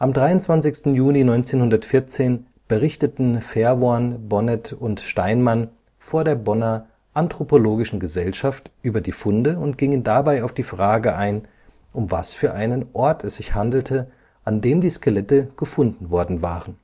23. Juni 1914 berichteten Verworn, Bonnet und Steinmann vor der Bonner Anthropologischen Gesellschaft über die Funde und gingen dabei auf die Frage ein, um was für einen Ort es sich handelte, an dem die Skelette gefunden worden waren